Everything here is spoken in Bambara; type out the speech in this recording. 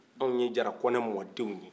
anw ye jara-kɔnɛ mɔdenw ye